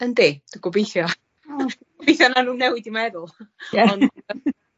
Yndi, dwi gobeithio. O. Gobeithio nawn nw'm newid 'u meddwl. Ie Ond...